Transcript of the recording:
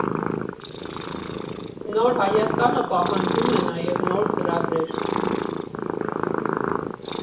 Նոր Հայաստանը պահանջում է նաև նոր ծրագրեր։